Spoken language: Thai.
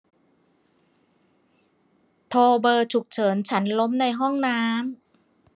โทรเบอร์ฉุกเฉินฉันล้มในห้องน้ำ